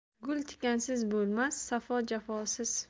gul tikansiz bo'lmas safo jafosiz